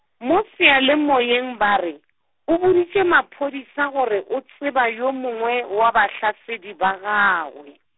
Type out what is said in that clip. mo seyalemoyeng ba re, o boditše maphodisa gore o tseba yo mongwe wa bahlasedi ba gagwe.